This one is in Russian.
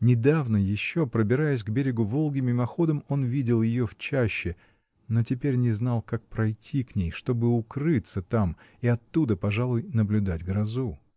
Недавно еще, пробираясь к берегу Волги, мимоходом он видел ее в чаще, но теперь не знал, как пройти к ней, чтобы укрыться там и оттуда, пожалуй, наблюдать грозу.